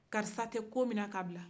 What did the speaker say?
karisa tɛ ko minɛ k'a bila